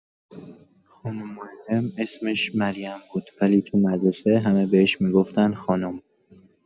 خانم معلم اسمش «مریم» بود، ولی تو مدرسه همه بهش می‌گفتن «خانم».